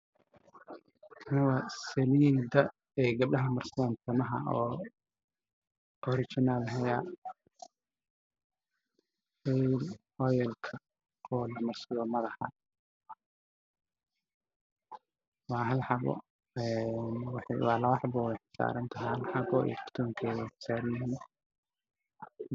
Meeshan waxaa taalo dhalo ay ku jirto saliid cunto ku sii sawiran tahay saliid waa jalaayo